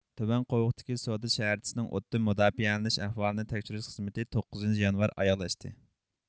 تۆۋەن قوۋۇقتىكى سودا شەھەرچىسىنىڭ ئوتتىن مۇداپىئەلىنىش ئەھۋالىنى تەكشۈرۈش خىزمىتى توققۇزىنچى يانۋار ئاياغلاشتى